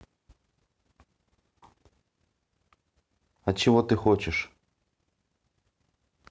от чего ты хочешь